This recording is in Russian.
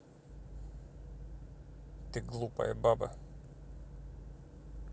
ты глупая баба